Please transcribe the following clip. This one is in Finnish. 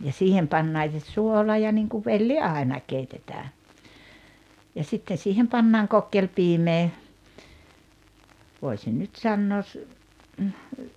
ja siihen pannaan se suola ja niin kuin velli aina keitetään ja sitten siihen pannaan kokkelipiimää voisin nyt sanoa